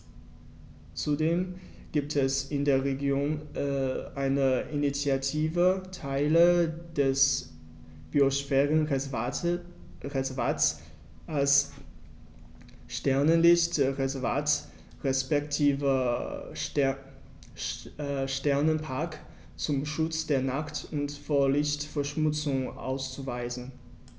Zudem gibt es in der Region eine Initiative, Teile des Biosphärenreservats als Sternenlicht-Reservat respektive Sternenpark zum Schutz der Nacht und vor Lichtverschmutzung auszuweisen.